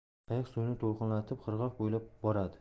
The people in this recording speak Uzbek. qayiq suvni to'lqinlatib qirg'oq bo'ylab boradi